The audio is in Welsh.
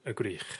y gwrych